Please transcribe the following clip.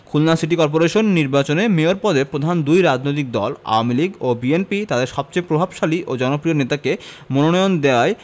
Khulna city corporation নির্বাচনে mayor পদে প্রধান দুই রাজনৈতিক দল আওয়ামী লীগ ও বিএনপি তাদের সবচেয়ে প্রভাবশালী ও জনপ্রিয় নেতাকে মনোনয়ন দেওয়ায়